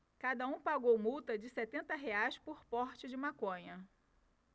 cada um pagou multa de setenta reais por porte de maconha